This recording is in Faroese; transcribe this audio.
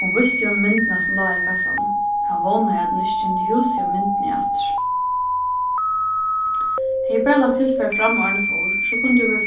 hon vísti honum myndina sum lá í kassanum hann vónaði at hon ikki kendi húsið á myndini aftur hevði eg bara lagt tilfarið fram áðrenn eg fór so kundi hon verið